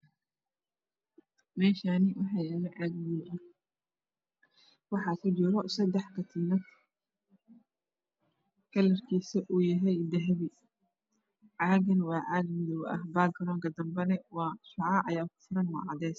Meshani waxayalo caag madow ah waxa kujiro sadex katiin kalarkis oow yahay dahbi cagan waa cag madow ah bagronka dabe shocaac aya kufuran waa cades